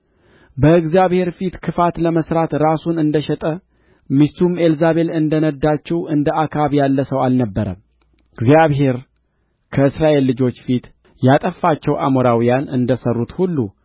በእግዚአብሔር ፊት ክፋት ለመሥራት ራሱን እንደ ሸጠ ሚስቱም ኤልዛቤል እንደ ነዳችው እንደ አክዓብ ያለ ሰው አልነበረም እግዚአብሔር ከእስራኤል ልጆች ፊት ያጠፋቸው አሞራውያን እንደ ሠሩት ሁሉ